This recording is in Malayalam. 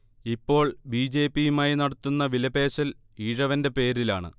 ഇപ്പോൾ ബിജെപിയുമായി നടത്തുന്ന വിലപേശൽ ഈഴവന്റെ പേരിലാണ്